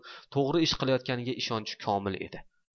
to'g'ri ish qilayotganiga ishonchi komil edi